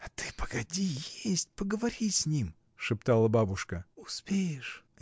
— А ты погоди есть, поговори с ним, — шептала бабушка, — успеешь!